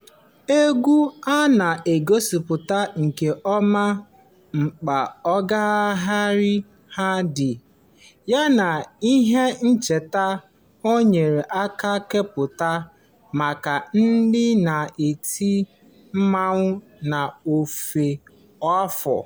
Egwu a na-egosipụta nke ọma mkpa oghere ahụ dị, yana ihe ncheta o nyere aka kepụta maka ndị na-eti mmọnwụ n'ofe afọ.